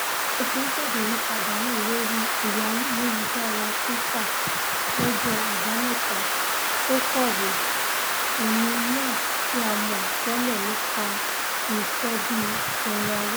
Bóti ńkéde ìyípadà náà lórí Twitter lọ́jọ́ Àbámẹ́ta, ó kọ̀wé: ''Ẹni náà tí a mọ̀ tẹ́lẹ̀ nípa ti iṣẹ́ bíi Kanye West.''